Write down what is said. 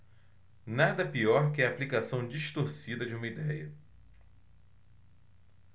nada pior que a aplicação distorcida de uma idéia